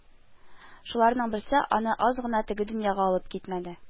Шуларның берсе аны аз гына теге дөньяга алып китмәде